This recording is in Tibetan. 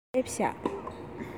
སླེབས བཞག